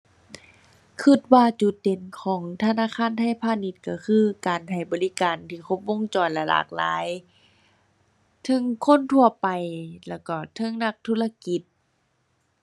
คิดว่าจุดเด่นของธนาคารไทยพาณิชย์คิดคือการให้บริการที่ครบวงจรและหลากหลาย เทิงคนทั่วไปแล้วก็เทิงนักธุรกิจ